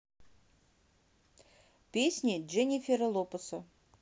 песни дженнифера лопеса